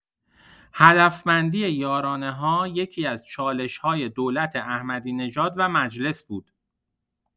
هدفمندی یارانه‌ها یکی‌از چالش‌های دولت احمدی‌نژاد و مجلس بود.